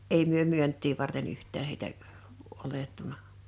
ei me myyntiä varten yhtään heitä otettu